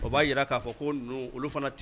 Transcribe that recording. O b'a jira k'a fɔ ko olu fana ten